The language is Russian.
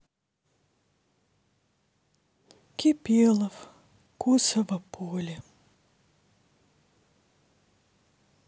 кипелов косово поле